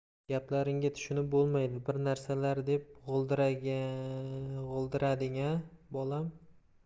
gaplaringga tushunib bo'lmaydi bir narsalar deb g'o'ldirading a bolam